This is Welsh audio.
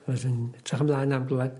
Wedyn etrych ymlaen am glwad